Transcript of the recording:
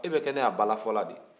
e bɛ kɛ ne ka balafɔla de